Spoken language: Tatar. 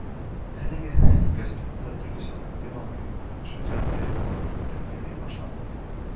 Әлеге костюмны да төрлечә мактый-мактый, Шөһрәт тирәсендә бөтерелгәли башлады